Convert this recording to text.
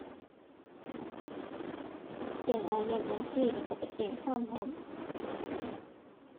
แจ้งอายัดบัญชี แล้วก็ไปแจ้งความพร้อม